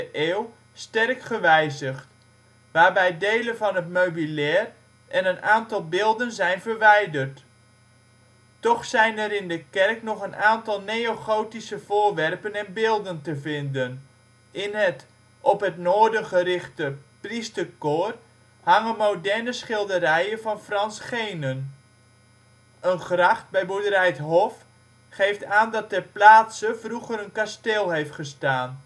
eeuw sterk gewijzigd, waarbij delen van het meubilair en een aantal beelden zijn verwijderd. Toch zijn er in de kerk nog een aantal neogotische voorwerpen en beelden te vinden. In het, op het noorden gerichte, priesterkoor hangen moderne schilderijen van Frans Geenen. Een gracht bij boerderij ' t Hof geeft aan dat ter plaatse vroeger een kasteel heeft gestaan